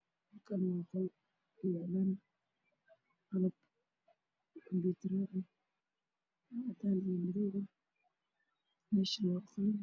Waa isbitaal waxaa yaalo qalabka dadka neefta looga cabbiro waana kumbuyuutar midabkiisa waa cadaan uu daaran yahay